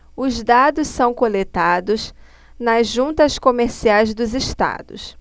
os dados são coletados nas juntas comerciais dos estados